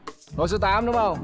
ô số tám đúng không